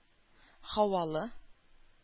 Һавалы